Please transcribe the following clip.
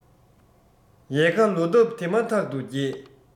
ཡལ ག ལོ འདབ དེ མ ཐག ཏུ རྒྱས